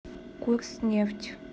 курс нефть